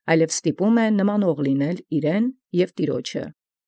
Այլ և նմանաւղ իւր և Տեառն ստիպէ լինել։